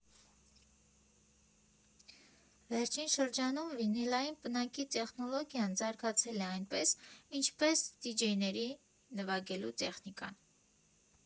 «Վերջին շրջանում վինիլային պնակի տեխնոլոգիան զարգացել է, այնպես, ինչպես դիջեյների նվագելու տեխնիկան։